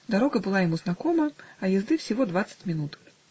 Дорога была ему знакома, а езды всего двадцать минут.